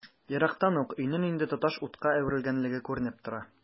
Ерактан ук өйнең инде тоташ утка әверелгәнлеге күренеп тора.